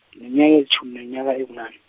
ngineminyaka elitjhumi neminyaka ebunane.